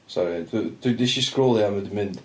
Sori, d- dwi... wnes i sgrolio a mae 'di mynd.